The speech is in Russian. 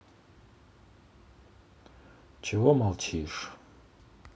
чего молчишь